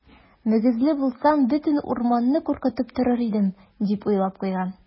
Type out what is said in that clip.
Мөгезле булсам, бөтен урманны куркытып торыр идем, - дип уйлап куйган.